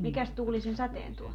mikäs tuuli sen sateen tuo